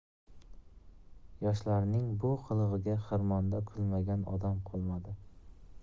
yoshlarning bu qilig'iga xirmonda kulmagan odam qolmadi